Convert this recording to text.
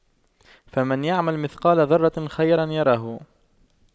فَمَن يَعمَل مِثقَالَ ذَرَّةٍ خَيرًا يَرَهُ